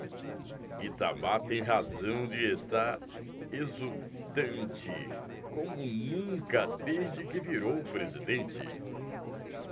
itamar tem razão de estar exultante como nunca desde que virou presidente